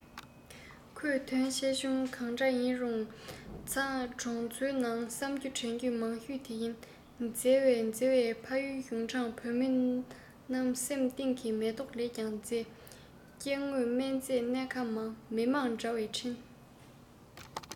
ཁོས དོན ཆེ ཆུང གང འདྲ ཡིན རུང ཚང གྲོང ཚོའི ནང བསམ རྒྱུ དྲན རྒྱུ མང ཤོས དེ ཡིན མཛེས བའི མཛེས བའི ཕ ཡུལ ཞུང དྲང བོད མི གནད སེམ ཏིང གི མེ ཏོག ལས ཀྱང མཛེས སྐྱེ དངོས རྨན རྫས སྣེ ཁ མང མི དམངས དྲ བའི འཕྲིན